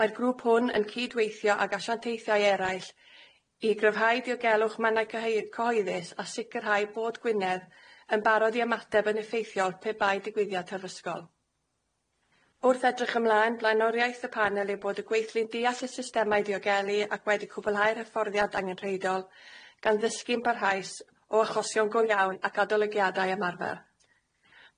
Mae'r grŵp hwn yn cydweithio ag asiantaethiau eraill i gryfhau diogelwch mannau chy- cyhoeddus a sicrhau bod Gwynedd yn barod i ymateb yn effeithiol pe bai digwyddiad terfysgol. Wrth edrych ymlan, blaenoriaeth y pannel yw bod y gweithlu'n diall y systmau diogelu ac wedi cwblhau'r hyfforddiant angenrheidiol gan ddysgu'n barhaus o achosion go iawn ac adolygiadau ymarfer.